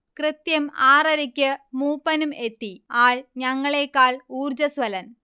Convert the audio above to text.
കൃത്യം ആറരക്ക് മൂപ്പനും എത്തി, ആൾ ഞങ്ങളേക്കാൾ ഊർജ്ജസ്വലൻ